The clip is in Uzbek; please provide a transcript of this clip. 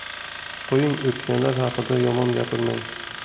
qo'ying o'tganlar haqida yomon gapirmang